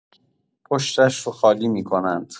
پشتش رو خالی می‌کنند.